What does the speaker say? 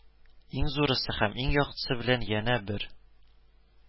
Иң зурысы һәм иң яктысы белән янә бер